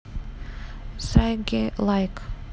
cringe лайк